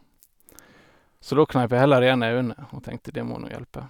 Så da kneip jeg heller igjen øynene, og tenkte Det må nå hjelpe.